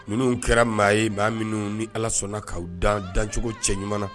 Minnu kɛra maa ye maa minnu ni ala sɔnna k'aw dan dancogo cɛ ɲuman na